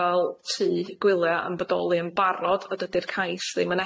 fel tŷ gwylia' yn bodoli yn barod a dydi'r cais ddim yn